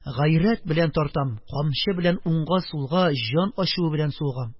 Гайрәт белән тартам, камчы белән уңга-сулга җан ачуы белән сугам.